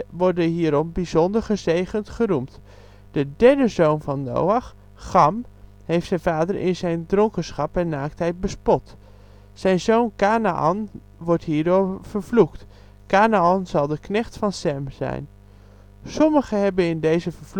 worden hierom bijzonder gezegend, geroemd. De derde zoon van Noach, Cham heeft zijn vader in zijn dronkenschap en naaktheid bespot. Zijn zoon Kanaän wordt hiervoor vervloekt. Kanaän zal de knecht van Sem zijn. Sommigen hebben in deze